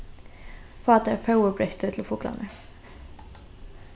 fá tær fóðurbretti til fuglarnar